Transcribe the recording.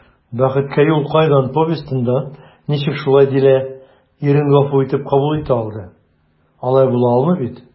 «бәхеткә юл кайдан» повестенда ничек шулай дилә ирен гафу итеп кабул итә алды, алай була алмый бит?»